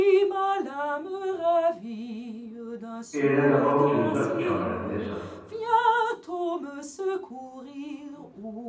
er henda bókin løtt hjá mær at lesa